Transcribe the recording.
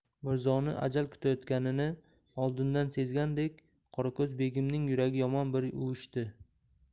mirzoni ajal kutayotganini oldindan sezgandek qorako'z begimning yuragi yomon bir uvushdi